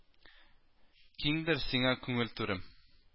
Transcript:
Киңдер сиңа күңел түрем